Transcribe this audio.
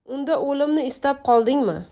unda o'limni istab qoldingmi